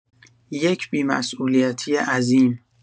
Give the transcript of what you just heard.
یک بی‌مسولیتی عظیم